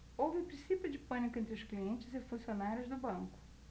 houve princípio de pânico entre os clientes e funcionários do banco